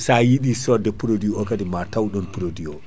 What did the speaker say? sa yiiɗi sodde produit o kadi mataw ɗon produit o